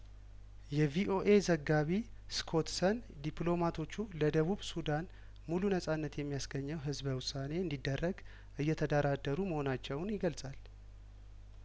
የቪኦኤ ዘጋቢ ስኮት ሰን ዲፕሎማቶቹ ለደቡብ ሱዳን ሙሉ ነጻነት የሚያስገኘው ህዝበውሳኔ እንዲደረግ እየተደራደሩ መሆናቸውን ይገልጻል